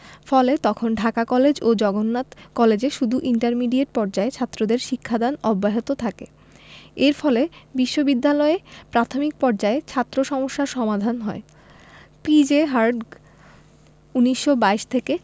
ফলে তখন ঢাকা কলেজ ও জগন্নাথ কলেজে শুধু ইন্টারমিডিয়েট পর্যায়ের ছাত্রদের শিক্ষাদান অব্যাহত থাকে এর ফলে বিশ্ববিদ্যালয়ে প্রাথমিক পর্যায়ে ছাত্র সমস্যার সমাধান হয় পি.জে হার্টগ ১৯২২ থেকে